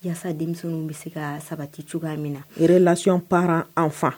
Walasasa denmisɛnnin bɛ se ka sabati cogoya min na i yɛrɛ layon para an fan